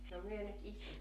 no me nyt istutaan